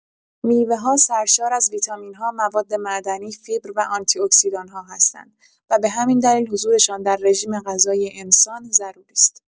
میوه‌ها سرشار از ویتامین‌ها، مواد معدنی، فیبر و آنتی‌اکسیدان‌ها هستند و به همین دلیل حضورشان در رژیم‌غذایی انسان ضروری است.